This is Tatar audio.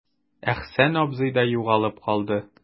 Әхсән абзый да югалып калды.